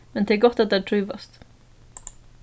men tað er gott at teir trívast